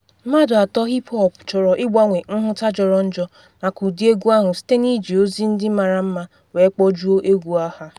Mmadụ atọ hip hop chọrọ ịgbanwe nhụta jọrọ njọ maka ụdị egwu ahụ site na iji ozi ndị mara mma wee kpojuo egwu ha.